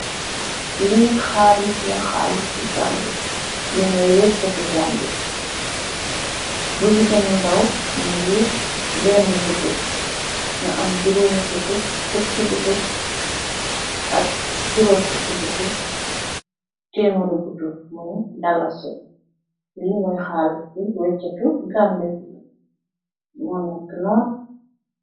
Lii xaalis la, xaalis i Gambi, lii mooy wéccat yi, Gambiya. Bi ci gënna tuuti, muddi, buttut, nga am juroomi buttut, ak juroom fukki buttut, tëëmeri buttut dalasi, wéccat tu Gambi